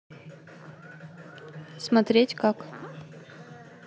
смотреть как